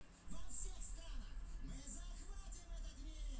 помоги мне выйти пожалуйста